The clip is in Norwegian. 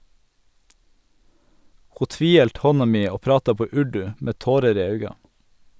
Ho tviheldt handa mi og prata på urdu, med tårer i auga.